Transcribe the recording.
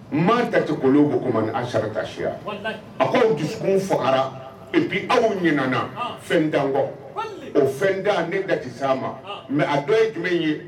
Maa ta tɛ kolon' ma asaritasi a koaw dusuumu faga bi aw ɲana fɛn dankɔ o fɛn da ne dati zan'a ma mɛ a dɔ ye jumɛn ye